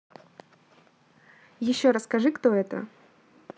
еще расскажи кто это